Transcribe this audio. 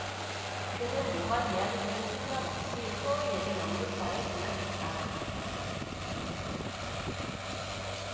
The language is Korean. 그는 뭐가 돼야겠다는 생각 없이 서울예대 연극과에 진학했다